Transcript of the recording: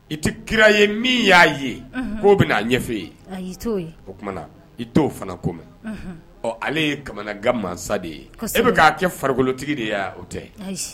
I tɛ kira ye min y'a ye, unhun, k'o bɛna ɲɛfɔ e ye, ayi , i t'o ye, o tuma, i t'o fana ko mɛn, unhun, ɔ ale ye kamanagan masa de ye, kosɛbɛ, e bɛ k'a kɛ farikolotigi de ye? O tɛ, ayi.